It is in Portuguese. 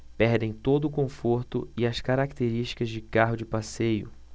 perdem todo o conforto e as características de carro de passeio